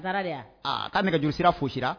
'a nɛgɛj sira fosi